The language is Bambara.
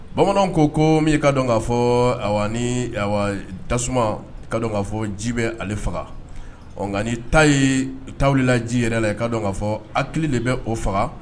Bamananw ko ko min ye ka dɔn k kaa fɔ tasuma ka kaa fɔ ji bɛ ale faga nka ni ta ye tala ji yɛrɛ la ka dɔn k kaa fɔ a de bɛ o faga